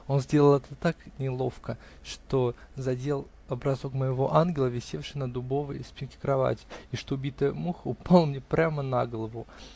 Он сделал это так неловко, что задел образок моего ангела, висевший на дубовой спинке кровати, и что убитая муха упала мне прямо на голову.